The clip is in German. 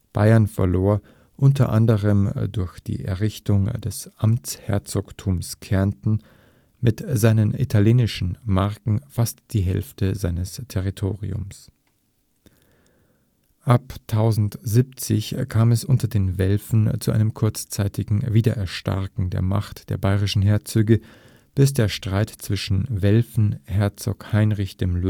Bayern verlor – u. a. durch die Errichtung des Amtsherzogtums Kärnten mit seinen italienischen Marken – fast die Hälfte seines Territoriums. Ab 1070 kam es unter den Welfen zu einem kurzzeitigen Wiedererstarken der Macht der bayerischen Herzöge, bis der Streit zwischen Welfen-Herzog Heinrich dem